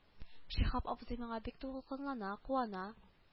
Шиһап абзый моңа бик дулкынлана куана